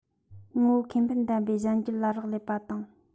ངོ བོའི ཁེ ཕན ལྡན པའི གཞན འགྱུར ལ རག ལས པ དང